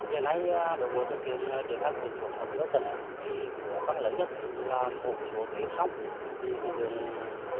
hiện nay đối với thực hiện triển khai quyết định số sáu mươi tân thì cái khó khăn lớn nhất là một số tuyến sông thì cái lượng